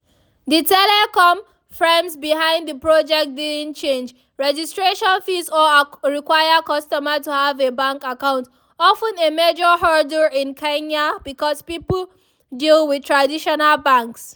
The telecom firms behind the project didn’t charge registration fees or require customers to have a bank account, often a major hurdle in Kenya because few people deal with traditional banks.